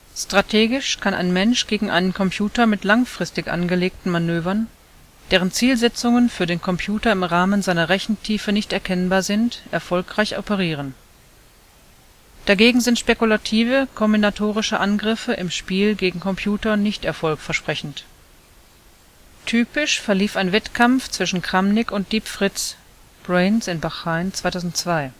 Strategisch kann ein Mensch gegen einen Computer mit langfristig angelegten Manövern, deren Zielsetzungen für den Computer im Rahmen seiner Rechentiefe nicht erkennbar sind, erfolgreich operieren. Dagegen sind spekulative kombinatorische Angriffe im Spiel gegen Computer nicht erfolgversprechend. Typisch verlief ein Wettkampf zwischen Kramnik und Deep Fritz (Brains in Bahrain, 2002